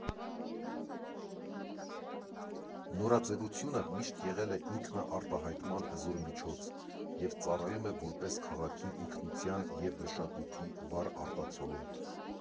Նորաձևությունը միշտ եղել է ինքնարտահայտման հզոր միջոց և ծառայում է որպես քաղաքի ինքնության և մշակույթի վառ արտացոլում։